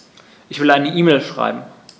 Ich will eine E-Mail schreiben.